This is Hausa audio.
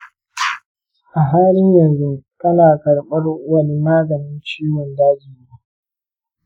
a halin yanzu kana karɓar wani maganin cutar daji ne?